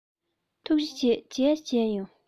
ཐུགས རྗེ ཆེ རྗེས སུ མཇལ ཡོང